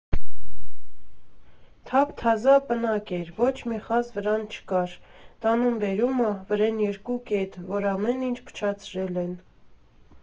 Թափ֊թազա պնակ էր, ոչ մի խազ վրան չկար, տանում֊բերում ա՝ վրան երկու կետ, որ ամեն ինչ փչացրել են։